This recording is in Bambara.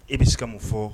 E bi se ka mun fɔɔ